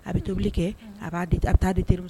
A bɛ tobili kɛ a b'a a bɛ taa di teri